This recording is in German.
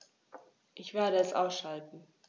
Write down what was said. Ich werde es ausschalten